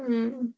Mm.